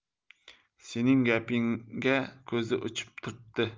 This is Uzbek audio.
sening gapingga ko'zi uchib turibdi